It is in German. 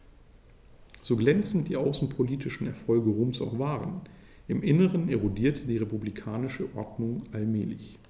So glänzend die außenpolitischen Erfolge Roms auch waren: Im Inneren erodierte die republikanische Ordnung allmählich.